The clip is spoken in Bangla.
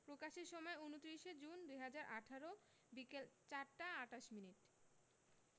প্রকাশের সময় ২৯ জুন ২০১৮ বিকেল ৪টা ২৮ মিনিট